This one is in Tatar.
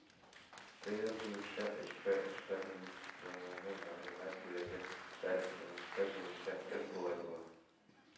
ТР буенча Эчке эшләр министрлыгының мәгълүмат бүлеге шәрехләмәсе буенча, эш болай була